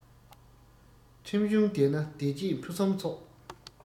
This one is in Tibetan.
ཁྲིམས གཞུང ལྡན ན བདེ སྐྱིད ཕུན སུམ ཚོགས